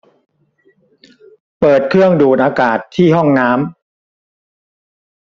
เปิดเครื่องดูดอากาศที่ห้องน้ำ